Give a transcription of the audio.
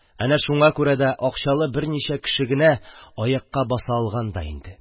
Әнә шуңа күрә дә акчалы берничә кеше генә аякка баса алган да инде!